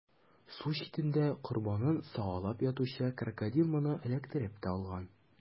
Су читендә корбанын сагалап ятучы Крокодил моны эләктереп тә алган.